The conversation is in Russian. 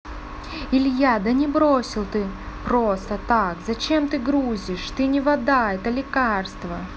илья да не бросили ты просто так зачем ты грузишь ты не вода это лекарство